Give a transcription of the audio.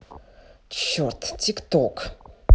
черт тик ток